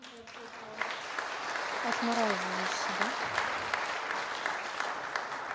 отмораживаешься да